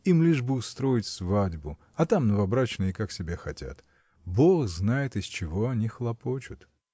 Им лишь бы устроить свадьбу, а там новобрачные как себе хотят. Бог знает, из чего они хлопочут.